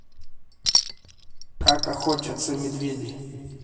как охотятся медведи